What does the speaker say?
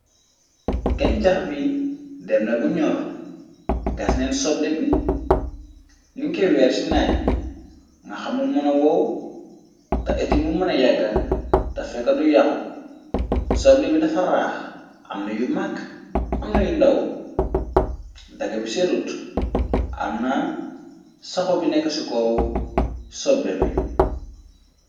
Gañ cax bi demna bu ñoor gas neen soble bi nikiy weer ci naaj bi nga xamu mëna wow te itimu mëna yàgga ta feko du yaxu soble bi dafa raax amna yu makk amna yu ndaw daga bi serut amna saxu bi nekk cikoow soble bi.